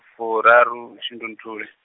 furaru, shundunthule.